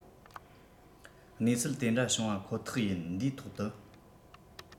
གནས ཚུལ དེ འདྲ བྱུང བ ཁོ ཐག ཡིན འདིའི ཐོག དུ